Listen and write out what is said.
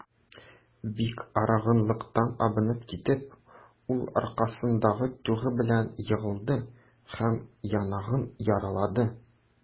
Бик арыганлыктан абынып китеп, ул аркасындагы тюгы белән егылды һәм яңагын яралады.